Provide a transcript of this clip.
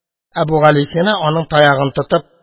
Әбүгалисина, аның таягын тотып